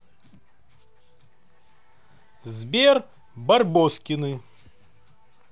сбер барбоскины